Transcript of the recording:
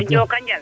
njokonjal